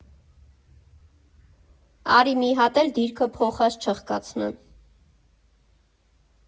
֊ Արի մի հատ էլ դիրքը փոխած չըխկացնեմ…